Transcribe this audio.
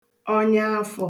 ọnyaafọ̄